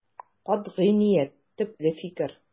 Катгый ният, төпле фикер.